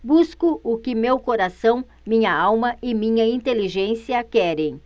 busco o que meu coração minha alma e minha inteligência querem